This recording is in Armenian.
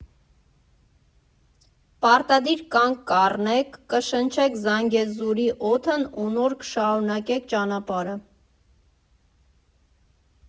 Պարտադիր կանգ կառնեք, կշնչեք Զանգեզուրի օդն ու նոր կշարունակեք ճանապարհը.